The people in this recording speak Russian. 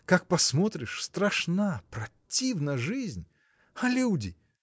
как посмотришь – страшна, противна жизнь! А люди!.